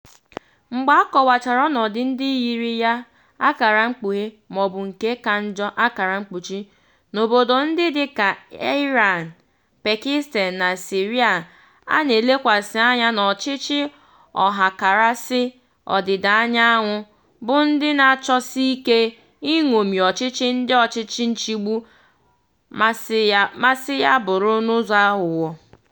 Mgbe a kọwachara ọnọdụ ndị yiri ya (maọbụ nke ka njọ) n'obodo ndị dịka Iran, Pakistan na Syria, a na-elekwasị anya n'ọchịchị ọhakarasị Ọdịdaanyanwụ - bụ ndị na-achọsi ike iṅomi ọchịchị ndị ọchịchị nchịgbu, masị ya bụrụ n'ụzọ aghụghọ.